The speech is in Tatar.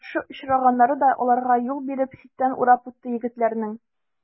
Каршы очраганнары да аларга юл биреп, читтән урап үтте егетләрнең.